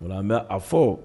Munna an bɛ a fɔ